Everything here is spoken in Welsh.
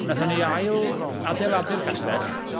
Wnaethon ni ail-adeiladu'r castell.